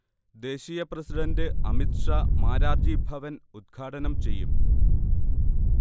ദേശീയ പ്രെസിഡന്റ് അമിത്ഷാ മാരാർജി ഭവൻ ഉത്ഘാടനം ചെയ്യും